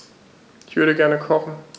Ich würde gerne kochen.